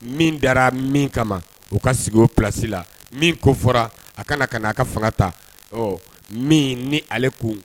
Min dara min kama u ka sigi o plasi la min ko fɔra a kana ka' aa ka fanga ta min ni ale kun